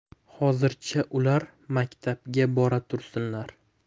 hozircha ular maktabga bora tursinlar